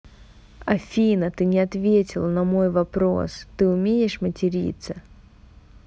афина ты не ответила на мой вопрос ты умеешь материться